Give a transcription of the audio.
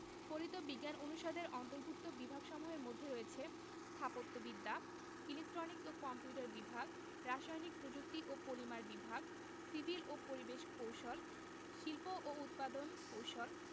ফলিত বিজ্ঞান অনুষদের অন্তর্ভুক্ত বিভাগসমূহের মধ্যে রয়েছে স্থাপত্যবিদ্যা ইলেকট্রনিক্স ও কম্পিউটার বিভাগ রাসায়নিক প্রযুক্তি ও পলিমার বিভাগ সিভিল ও পরিবেশ কৌশল শিল্প ও উৎপাদন কৌশল